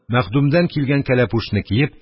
Мәхдүмәдән килгән кәләпүшене киеп,